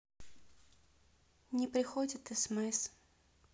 не приходит смс